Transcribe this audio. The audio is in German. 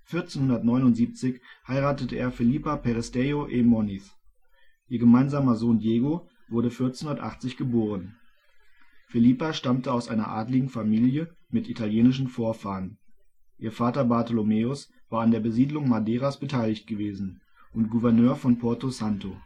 1479 heiratete er Felipa Perestello e Moniz. Ihr gemeinsamer Sohn Diego wurde 1480 geboren. Felipa stammte aus einer adligen Familie mit italienischen Vorfahren, ihr Vater Bartholomeus war an der Besiedlung Madeiras beteiligt gewesen und Gouverneur von Porto Santo